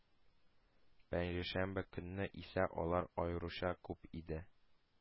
Пәнҗешәмбе көнне исә алар аеруча күп иде